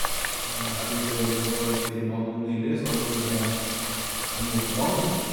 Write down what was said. Jeg begynte å jobbe på et firma nå nylig som jobber imot bank.